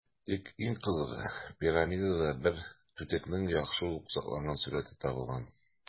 Тик иң кызыгы - пирамидада бер түтекнең яхшы ук сакланган сурəте табылган.